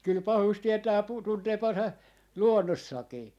kyllä pahus tietää puut tuntee - luonnossakin